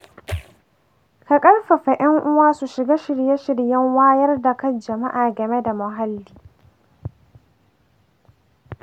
ka ƙarfafa ‘yan uwa su shiga shirye-shiryen wayar da kan jama’a game da muhalli.